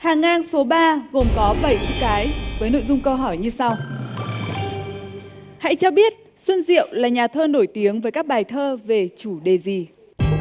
hàng ngang số ba gồm có bảy chữ cái với nội dung câu hỏi như sau hãy cho biết xuân diệu là nhà thơ nổi tiếng với các bài thơ về chủ đề gì